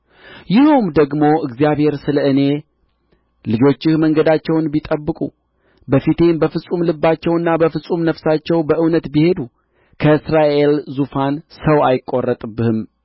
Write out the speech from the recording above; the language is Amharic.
ይኸውም ደግሞ እግዚአብሔር ስለ እኔ ልጆችህ መንገዳቸውን ቢጠብቁ በፊቴም በፍጹም ልባቸውና በፍጹም ነፍሳቸው በእውነት ቢሄዱ ከእስራኤል ዙፋን ሰው አይቈረጥብህም